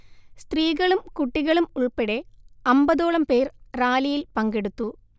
സ്ത്രീകളും കുട്ടികളും ഉൾപ്പെടെ അമ്പതോളം പേർ റാലിയിൽ പങ്കെടുത്തു